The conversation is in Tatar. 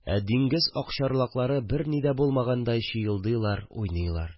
Ә диңгез акчарлаклары берни дә булмагандай чыелдыйлар, уйныйлар